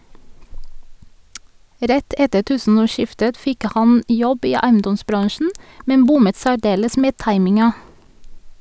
Rett etter tusenårsskiftet fikk han jobb i eiendomsbransjen - men bommet særdeles med timinga.